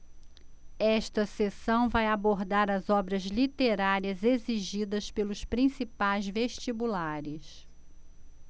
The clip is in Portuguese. esta seção vai abordar as obras literárias exigidas pelos principais vestibulares